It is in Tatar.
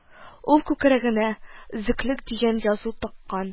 Ул күкрәгенә «Өзеклек» дигән язу таккан